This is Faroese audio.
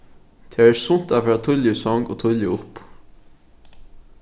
tað er sunt at fara tíðliga í song og tíðliga upp